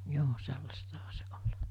joo sellaistahan se oli